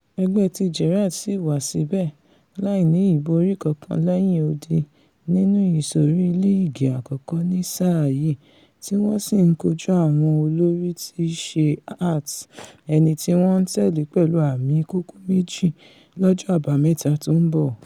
Ẹgbẹ́ ti Gerrard sì wà síbẹ̀ láìní ìbori kankan lẹ́yìn odi nínú Ìṣọ̀rí Líìgí Àkọ́kọ́ ní sáà yìí tí wọ́n sí ńkojú àwọn olóri tííṣe Hearts, ẹniti wọ́n ńtẹ̀lé pẹ̀lú àmì kókó mẹ́jọ, lọ́jọ́ Àbámẹ́ta tó ńbọ̀.